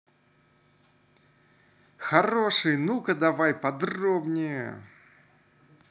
хорошие ну ка давай подробнее